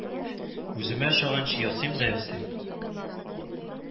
Үземә ошаганчы ясыйм да ясыйм